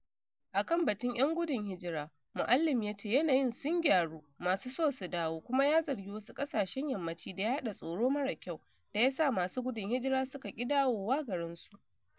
Akan batun yan gudun hijira, Moualem ya ce yanayin sun gyaru masu so su dawo, kuma ya zargi “wasu ƙasashen yammaci” da “yada tsoro mara kyau” da yasa masu gudun hijira suka ƙi dawowa garinsu